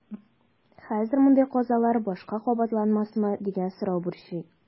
Хәзер мондый казалар башка кабатланмасмы дигән сорау борчый.